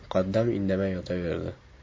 muqaddam indamay yotaverdi